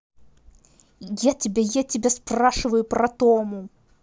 я тебя я тебя спрашиваю про тому